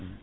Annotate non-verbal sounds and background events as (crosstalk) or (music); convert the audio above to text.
(hesitation) (hesitation)